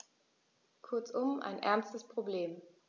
Kurzum, ein ernstes Problem.